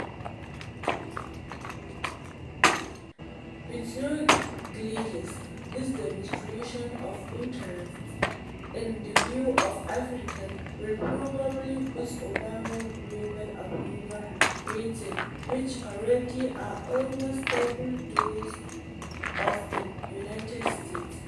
With no glitches, this demonstration of interest in the views of Africans will probably boost Obama's global approval ratings, which already are almost double those of the United States.